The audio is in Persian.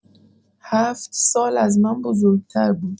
هفت سال از من بزرگتر بود.